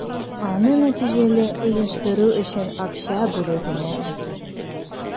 Аны нәтиҗәле оештыру өчен акча бүлү генә җитми.